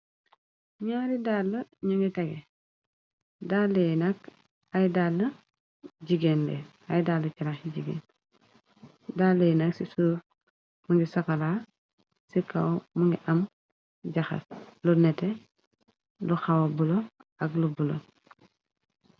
ñaari dall ñu ngi tage dalanak ay a jgénde ay dall carax yi jigéen dallei nak ci suux mu ngi sokala ci kaw mu ngi am jaxas lu nete lu xawa bulo ak lubbula